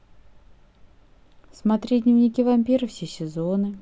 смотреть дневники вампира все сезоны